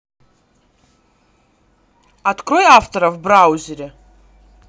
открой авторов браузере